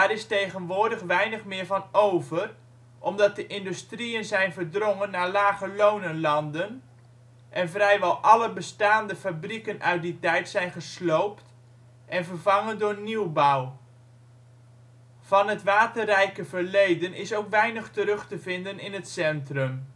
is tegenwoordig weinig meer van over, omdat de industrieën zijn verdrongen naar lagelonenlanden en vrijwel alle bestaande fabrieken uit die tijd zijn gesloopt en vervangen door nieuwbouw. Van het waterrijke verleden is ook weinig terug te vinden in het centrum